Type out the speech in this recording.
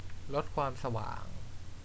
ลดความสว่าง